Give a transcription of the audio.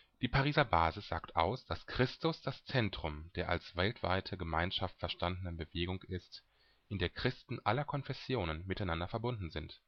Die Pariser Basis sagt aus, dass Christus das Zentrum der als weltweite Gemeinschaft verstandenen Bewegung ist, in der Christen aller Konfessionen miteinander verbunden sind